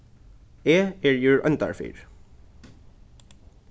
eg eri úr oyndarfirði